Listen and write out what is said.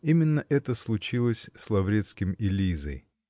Именно это случилось с Лаврецким и Лизой.